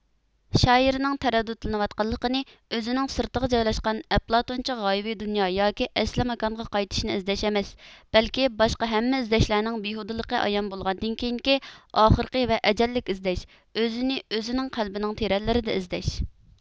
شائىرنىڭ تەرەددۇتلىنىۋاتقىنى ئۆزىنىڭ سىرتىغا جايلاشقان ئەپلاتونچە غايىۋى دۇنيا ياكى ئەسلى ماكانغا قايتىشنى ئىزدەش ئەمەس بەلكى باشقا ھەممە ئىزدەشلەرنىڭ بىھۇدىلىقى ئايان بولغاندىن كېيىنكى ئاخىرقى ۋە ئەجەللىك ئىزدەش ئۆزىنى ئۆزىنىڭ قەلبىنىڭ تىرەنلىرىدە ئىزدەش